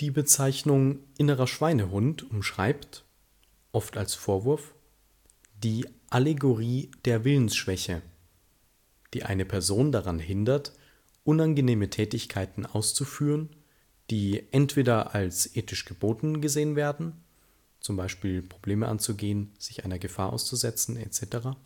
Bezeichnung innerer Schweinehund umschreibt - oft als Vorwurf - die Allegorie der Willensschwäche, die eine Person daran hindert, unangenehme Tätigkeiten auszuführen, die entweder als ethisch geboten gesehen werden (z. B. Probleme anzugehen, sich einer Gefahr auszusetzen etc.